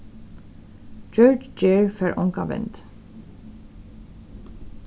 gjørd gerð fær onga vend